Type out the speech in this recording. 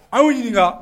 An y'u ɲininka